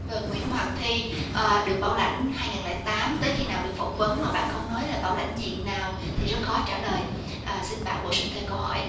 nguyễn hoàng thy được bảo lãnh hai ngàn lẻ tám tới khi nào được phỏng vấn mà bạn không nói là bảo lãnh diện nào thì rất khó trả lời xin bạn bổ sung thêm câu hỏi